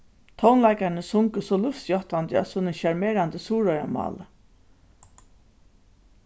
tónleikararnir sungu so lívsjáttandi á sínum sjarmerandi suðuroyarmáli